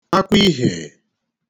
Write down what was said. akwaīhè